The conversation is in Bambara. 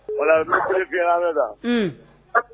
Voila